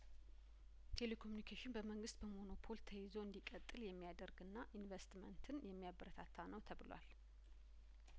ቴሌኮሙኒኬሽን በመንግስት በሞኖፖል ተይዞ እንዲቀጥል የሚያደርግና ኢንቨስትመንትን የሚያበረታታ ነው ተብሏል